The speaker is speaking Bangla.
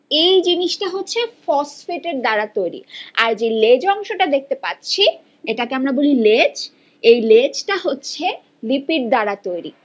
এই জিনিসটা হচ্ছে ফসফেট এর দ্বারা তৈরি আর যে লেজ অংশটা দেখতে পাচ্ছি এটা কে আমরা বলি লেজ এই লেজটা হচ্ছে লিপিড দ্বারা তৈরি